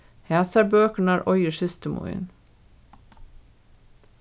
hasar bøkurnar eigur systir mín